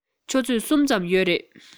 ཆུ ཚོད གསུམ ཙམ ཡོད རེད